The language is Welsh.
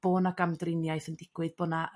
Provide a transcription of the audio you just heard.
bo' 'na gamdriniaeth yn digwydd bo' 'na